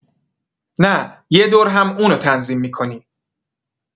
نه یه دور هم اونو تنظیم می‌کنی